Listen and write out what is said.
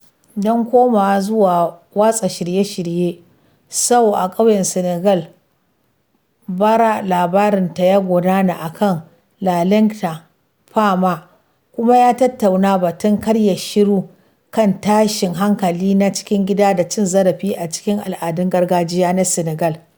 Don komawa zuwa watsa shirye-shiryen Sow a ƙauyen Senegal bara: labarinta ya gudana akan La Laghem FM, kuma ya tattauna batun karya shiru kan tashin hankali na cikin gida da cin zarafi a cikin al’adun gargajiya na Senegal.